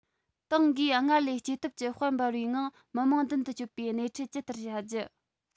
ཏང གིས སྔར ལས སྐྱེ སྟོབས ཀྱི དཔལ འབར བའི ངང མི དམངས མདུན དུ སྐྱོད པའི སྣེ འཁྲིད ཇི ལྟར བྱ རྒྱུ